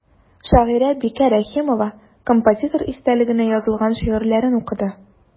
Шагыйрә Бикә Рәхимова композитор истәлегенә язылган шигырьләрен укыды.